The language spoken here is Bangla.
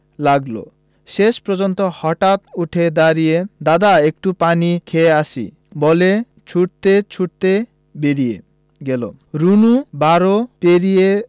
লাগলো শেষ পর্যন্ত হঠাৎ উঠে দাড়িয়ে দাদা একটু পানি খেয়ে আসি বলে ছুটতে ছুটতে বেরিয়ে গেল রুনু বারো পেরিয়ে